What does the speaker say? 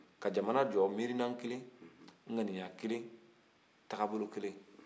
ka jamana jɔ miiriya kelen ŋaniya kelen taabolo kelen